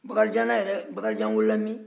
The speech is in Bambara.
bakarijan wolola min